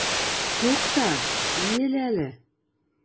Тукта, иел әле!